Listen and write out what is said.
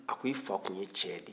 a ko i fa tun ye cɛ de ye